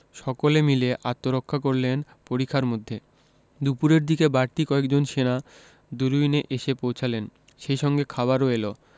সকলে মিলে আত্মরক্ষা করলেন পরিখার মধ্যে দুপুরের দিকে বাড়তি কয়েকজন সেনা দরুইনে এসে পৌঁছালেন সেই সঙ্গে খাবারও এলো